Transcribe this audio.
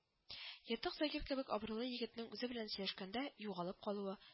Ертык Закир кебек абруйлы егетнең үзе белән сөйләшкәндә югалып калуы